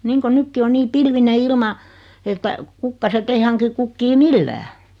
niin kuin nytkin on niin pilvinen ilma että kukkaset ei hanki kukkia millään